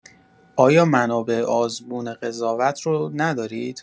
آیا منابع آزمون قضاوت رو ندارید؟